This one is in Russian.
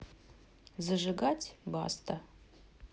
зажигать баста